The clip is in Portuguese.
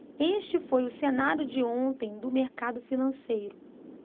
este foi o cenário de ontem do mercado financeiro